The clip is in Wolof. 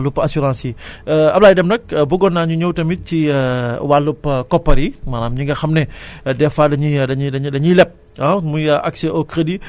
ñu dellusiwaat fii ci Louga FM vingt heure cinquante minute ñuy waxtaanee tay lu jëm ci wàllub assurances yi Ablaye Deme nag buggoon naa ñu ñëw tamit ci wàllub koppar yi